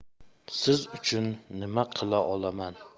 siz uchun nima qila olaman